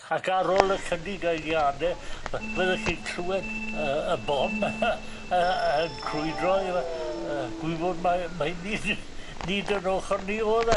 Ac ar ôl ychydig eidiade fy- fyddech chi'n clwed yy y bom yy yn crwydro yfo yy gwybod mai mai nid nid 'yn ochor ni o'dd e.